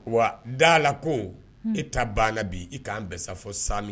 Wa dala ko e ta banna bi i k' bɛ sasa fɔ sa